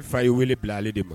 Fa ye wele bila ale de ma